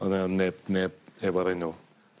O'dd 'na o' neb neb efo'r enw